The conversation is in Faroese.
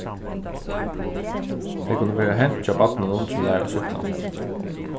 tey kunnu vera hent hjá barninum sum lærir at súkkla